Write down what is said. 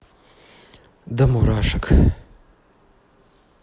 до мурашек